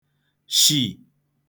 shì